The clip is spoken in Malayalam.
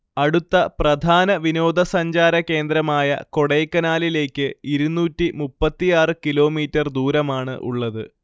അടുത്ത പ്രധാന വിനോദസഞ്ചാരകേന്ദ്രമായ കൊടൈക്കനാലിലേക്ക് ഇരുന്നൂറ്റി മുപ്പത്തിയാറ് കിലോമീറ്റർ ദൂരമാണ് ഉള്ളത്